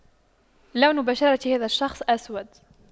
لون بشرة هذا الشخص أسود